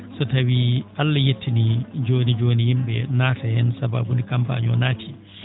so tawii Allah yettinii jooni jooni yim?e nata heen sabaabu nde campagne o naatii